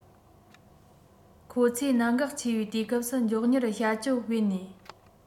ཁོ ཚོས གནད འགག ཆེ བའི དུས སྐབས སུ མགྱོགས མྱུར བྱ སྤྱོད སྤེལ ནས